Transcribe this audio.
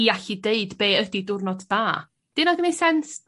i allu deud be' ydi diwrnod da 'di wnna 'di neud sense?